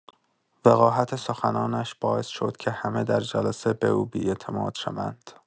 وقاحت سخنانش باعث شد که همه در جلسه به او بی‌اعتماد شوند.